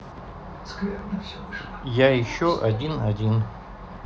я еще один один